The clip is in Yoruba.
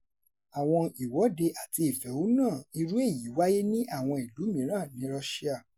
Àwọn ìwọ́de àti ìfẹ̀hónúhàn irú èyí wáyé ní àwọn ìlú mìíràn ní Russia.